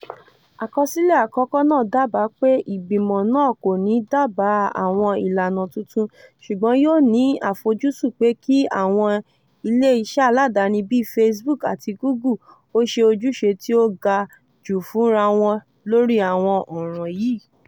Àkọsílẹ̀ àkọ́kọ́ náà dábàá pé Ìgbìmọ̀ náà kò ní dábàá àwọn ìlànà tuntun, ṣùgbọ́n yóò ní àfojúsùn pé kí àwọn ilé iṣẹ́ aládani bíi Facebook àti Google ó ṣe ojúṣe tí ó ga jù fúnra wọn lórí àwọn ọ̀ràn yìí.